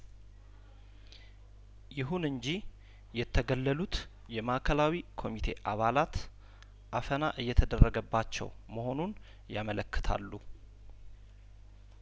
ይሁን እንጂ የተገለሉት የማእከላዊ ኮሚቴ አባላት አፈና እየተደረገባቸው መሆኑን ያመለክታሉ